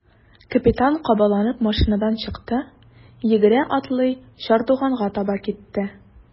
Капитан кабаланып машинадан чыкты, йөгерә-атлый чардуганга таба китте.